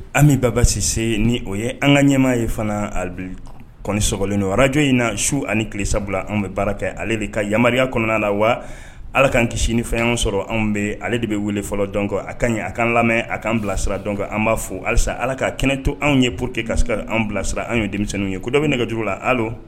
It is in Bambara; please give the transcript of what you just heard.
An bɛba basise ni o ye an ka ɲɛmaa ye fana kɔni sogolen don araj in na su ani tile sabula anw bɛ baara kɛ ale de ka yamaruya kɔnɔna la wa ala k'an kisi nifɛn sɔrɔ anw bɛ ale de bɛ wele fɔlɔ dɔn kɔ a ka ɲɛ a'an lamɛn aan bilasira dɔn an b'a fɔ halisa ala k ka kɛnɛ to anw ye pour que kaska an bilasira an ye denmisɛnninw ye ko dɔ bɛ ne ka jugu la hali